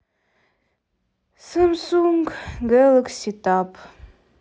самсунг гэлакси таб